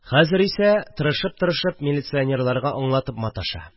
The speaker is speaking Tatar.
Хәзер исә тырышып-тырышып милиционерларга аңлатып маташа